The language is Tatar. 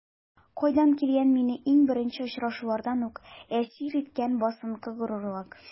Кайдан килгән мине иң беренче очрашулардан үк әсир иткән басынкы горурлык?